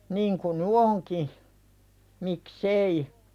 niin kuin nyt onkin miksi ei